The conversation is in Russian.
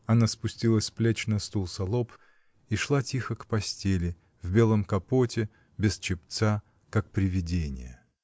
Она спустила с плеч на стул салоп и шла тихо к постели, в белом капоте, без чепца, как привидение.